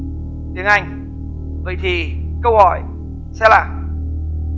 tiếng anh vậy thì câu hỏi sẽ là